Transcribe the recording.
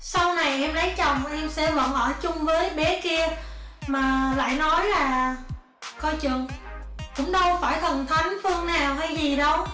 sau này em lấy chồng em vẫn sẽ ở chung với bé kia mà lại nói là coi chừng cũng đâu phải thần thánh phương nào hay gì đâu